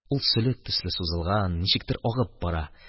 Ул сөлек төсле сузылган, ничектер агып бара.